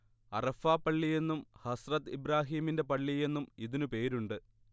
അറഫാ പള്ളിയെന്നും ഹസ്രത്ത് ഇബ്രാഹീമിന്റെ പള്ളിയെന്നും ഇതിനു പേരുണ്ട്